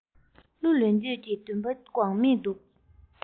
གླུ ལེན འདོད ཀྱི འདུན པ འགོག མི འདུག